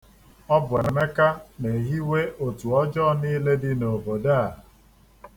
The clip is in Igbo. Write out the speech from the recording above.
Ọ bụ Emeka na-ehiwe òtù ọjọọ niile dị n'obodo a.